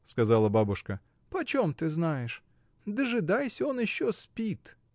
— сказала бабушка, — почем ты знаешь? Дожидайся! Он еще спит!